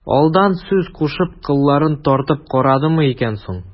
Алдан сүз кушып, кылларын тартып карадымы икән соң...